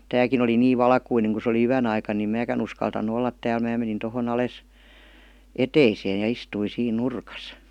tämäkin oli niin valkoinen kun se oli yön aikana niin minäkään uskaltanut olla täällä minä menin tuohon alas eteiseen ja istuin siinä nurkassa